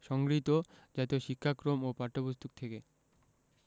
সংগৃহীত জাতীয় শিক্ষাক্রম ও পাঠ্যপুস্তক থেকে